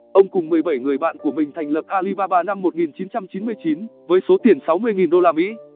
ông cùng người bạn của mình thành lập alibaba năm với số tiền usd